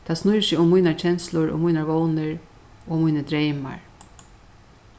tað snýr seg um mínar kenslur og mínar vónir og mínir dreymar